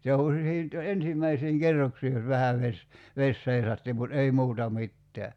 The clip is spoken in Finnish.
se on kun siitä ensimmäisiin kerroksiin jos vähän vesi vesi seisahti mutta ei muuta mitään